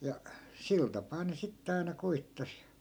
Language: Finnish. ja sillä tapaa ne sitten aina koetti